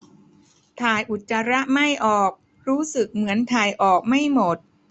ถ่ายอุจจาระไม่ออกรู้สึกเหมือนถ่ายออกไม่หมด